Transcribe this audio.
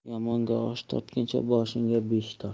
yomonga osh tortguncha boshiga besh tort